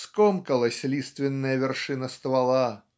Скомкалась лиственная вершина ствола